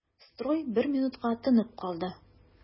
Строй бер минутка тынып калды.